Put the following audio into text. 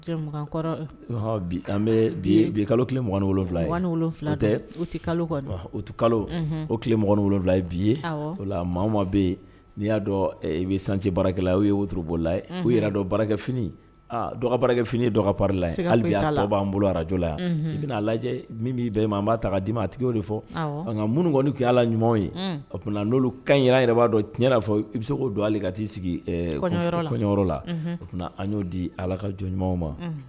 An kalo kalo owula bi ma bɛ yen n'i ya dɔn bɛ sanji barala o ye wola b yɛrɛ dɔn barakɛf dɔgɔ barakɛfini dɔgɔ la y'a'an bolo arajɔ yan i bɛna'a lajɛ min'i b' ta' d'i a tigi o de fɔ munun kɔniɔni kɛ ala ɲumanw ye o tun n'olu kan jira yɛrɛ b'a dɔn ti fɔ i bɛ se k'o don ale ka t'i sigi kɔɲɔ kɔɲɔyɔrɔ la o an y'o di ala ka jɔn ɲuman ma